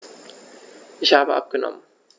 Ich habe abgenommen.